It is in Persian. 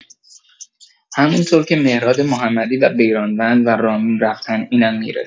همونطور که مهراد محمدی و بیرانوند و رامین رفتن اینم می‌ره!